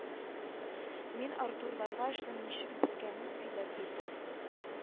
Мин артурларга эшнең ничек беткәнен сөйләп бирдем